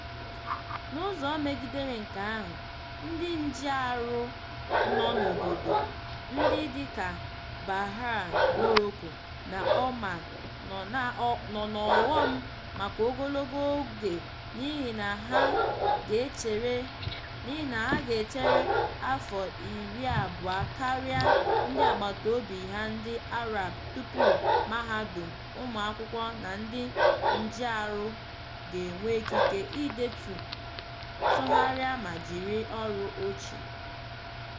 N'ụzọ megidere nke ahụ, ndị njiarụ nọ n'obodo ndị dị ka Bahrain, Morocco, na Oman nọ na ọghọm maka ogologo oge n'ihi na ha ga-echere afọ 20 karịa ndị agbataobi ha ndị Arab tụpụ mahadum, ụmụakwụkwọ, na ndị njiarụ ga-enwe ikike idetu, tụgharịa, na jiri ọrụ ochie.